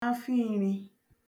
afọ ìri